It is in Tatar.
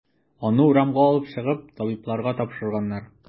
Аны урамга алып чыгып, табибларга тапшырганнар.